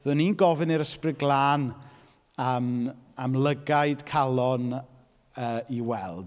Fyddwn i'n gofyn i'r Ysbryd Glân am am lygaid calon, yy, i weld.